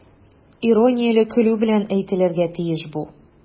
Иронияле көлү белән әйтелергә тиеш бу.